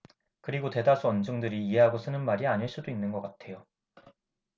그리고 대다수 언중들이 이해하고 쓰는 말이 아닐 수도 있는 것 같아요